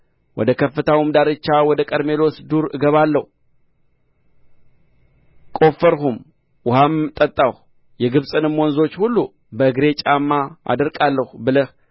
ወደ ከፍታውም ዳርቻ ወደ ቀርሜሎስ ዱር እገባለሁ ቈፈርሁም ውኃም ጠጣሁ የግብጽንም ወንዞች ሁሉ በእግሬ ጫማ አደርቃለሁ ብለህ